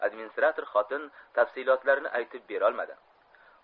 administrator xotin tafsilotlarini aytib berolmadi